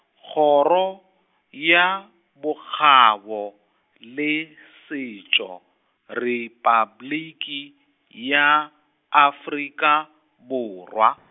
Kgoro, ya, Bokgabo, le Setšo, Repabliki, ya, Afrika, Borwa.